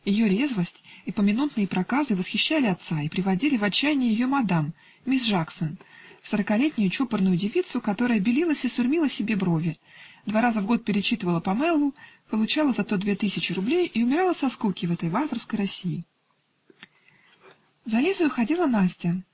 Ее резвость и поминутные проказы восхищали отца и приводили в отчаянье ее мадам мисс Жаксон, сорокалетнюю чопорную девицу, которая белилась и сурьмила себе брови, два раза в год перечитывала "Памелу", получала за то две тысячи рублей и умирала со скуки в этой варварской России. За Лизою ходила Настя